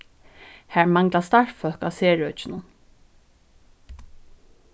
har mangla starvsfólk á serøkinum